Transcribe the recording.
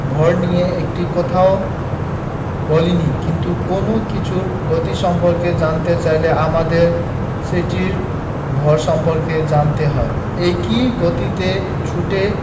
ভর নিয়ে একটি কথাও বলিনি কিন্তু কোনো কিছুর গতি সম্পর্কে জানতে চাইলে আমাদের সেটির ভর সম্পর্কে জানতে হয় একই গতিতে ছুটে